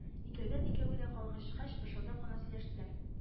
Икәүдән-икәү генә калгачкач да пышылдап кына сөйләштеләр